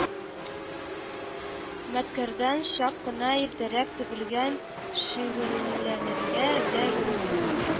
Мәткәрдән чак кына иртәрәк тобелән шөгыльләнергә дә өлгерә